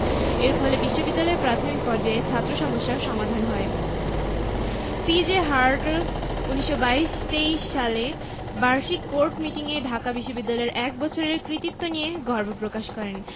এর ফলে বিশ্ববিদ্যালয়ে প্রাথমিক পর্যায়ে ছাত্র সমস্যার সমাধান হয় পি.জে হার্টগ ১৯২২ ২৩ সালে বার্ষিক কোর্ট মিটিং এ ঢাকা বিশ্ববিদ্যালয়ের এক বছরের কৃতিত্ব নিয়ে গর্ব প্রকাশ করেন